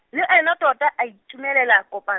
le ene tota a itumelela kopa.